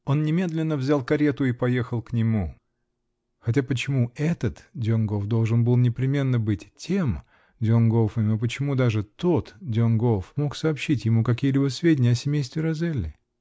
Он немедленно взял карету и поехал к нему -- хотя почему этот Донгоф должен был непременно быть тем Донгофом и почему даже тот Донгоф мог сообщить ему какие-либо сведения о семействе Розелли?